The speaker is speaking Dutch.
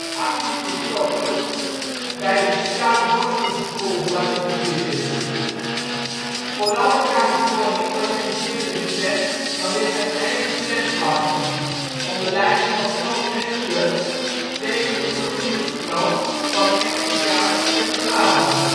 actief betrokken bij de South Boston School Busing Crisis. Vooral in Californië organiseerde de Klan dan weer zijn eigen grenswachten - onder leiding van Tom Metzger - tegen de groeiende stroom van Mexicaanse illegalen